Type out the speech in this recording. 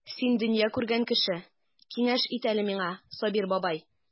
Син дөнья күргән кеше, киңәш ит әле миңа, Сабир бабай.